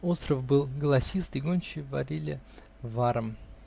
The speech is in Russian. Остров был голосистый, и гончие варили варом.